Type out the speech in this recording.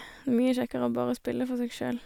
Det er mye kjekkere å bare spille for seg sjøl.